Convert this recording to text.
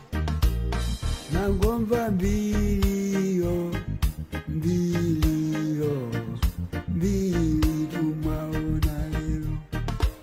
Goba b yo b yo b ma yo